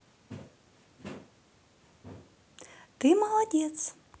ты молодец